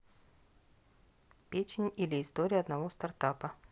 печень или история одного стартапа